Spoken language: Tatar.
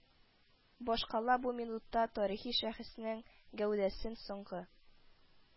Башкала бу минутта тарихи шәхеснең гәүдәсен соңгы